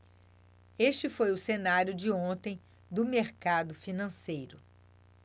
este foi o cenário de ontem do mercado financeiro